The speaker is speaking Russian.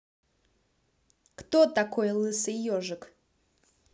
кто такой лысый ежик